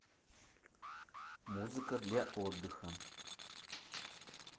музыка для отдыха